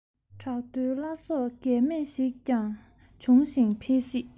བྲག རྡོའི བླ སྲོག རྒས མེད ཞིག ཀྱང འབྱུང ཞིང འཕེལ སྲིད